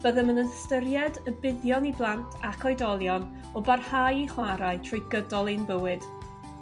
Byddem yn ystyried y buddion i blant ac oedolion o barhau i chwarae trwy gydol ein bywyd.